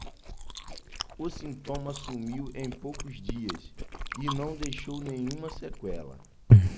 o sintoma sumiu em poucos dias e não deixou nenhuma sequela